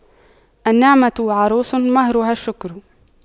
النعمة عروس مهرها الشكر